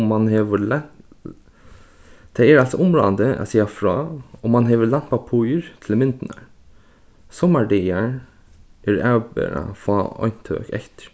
um mann hevur tað er altso umráðandi at siga frá um mann hevur lænt pappír til myndirnar summar dagar eru avbera fá eintøk eftir